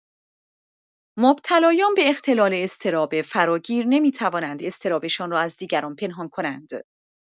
مبتلایان به اختلال اضطراب فراگیر نمی‌توانند اضطرابشان را از دیگران پنهان کنند.